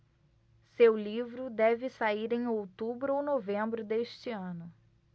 seu livro deve sair em outubro ou novembro deste ano